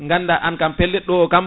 ganda an kam pellitɗo o kam